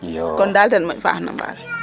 kon dal tem moƴ faax no mbaal